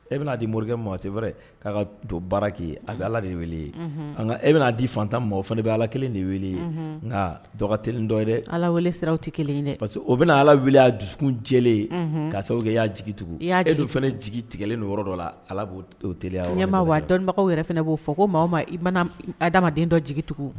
E bɛna'a di morikɛ mɔgɔ se wɛrɛ k'a ka don baara kɛ a bɛ ala de wele e bɛa di fantan mɔ fana ne bɛ ala kelen de wele nka dɔgɔ kelen dɔ ye ala wele sira tɛ kelen ye dɛ parce que o bɛ ala weleya dusukun jɛ ye k ka sababu kɛ y'a jigiigi tugun y'a dun fana jigi tigɛlen don yɔrɔ dɔ la ala tya ɲɛmaa wa a dɔnnibagaw yɛrɛ fana b'o fɔ ko maa ma i mana adama den dɔ jigi tugun